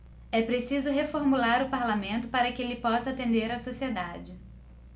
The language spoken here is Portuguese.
é preciso reformular o parlamento para que ele possa atender a sociedade